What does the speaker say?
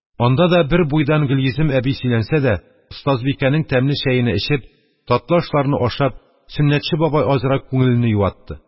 Анда да бербуйдан Гөлйөзем әби сөйләнсә дә, остазбикәнең тәмле чәене эчеп, татлы ашларыны ашап, Сөннәтче бабай азрак күңелене юатты.